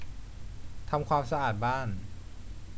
ทำความสะอาดบ้าน